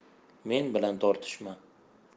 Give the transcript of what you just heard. men bilan tortishma